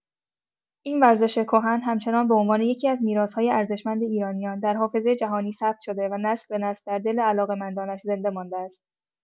این ورزش کهن همچنان به عنوان یکی‌از میراث‌های ارزشمند ایرانیان در حافظه جهانی ثبت شده و نسل به نسل در دل علاقه‌مندانش زنده مانده است.